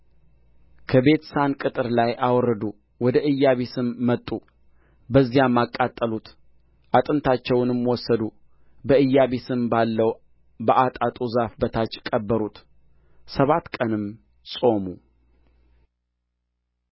ከቤትሳን ቅጥር ላይ አወረዱ ወደ ኢያቢስም መጡ በዚያም አቃጠሉት አጥንታቸውንም ወሰዱ በኢያቢስም ባለው በአጣጡ ዛፍ በታች ቀበሩት ሰባት ቀንም ጾሙ